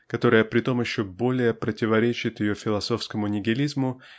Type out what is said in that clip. которая притом еще более противоречит ее философскому нигилизму